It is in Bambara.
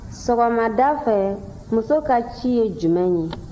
sɔgɔmada fɛ muso ka ci ye jumɛn ye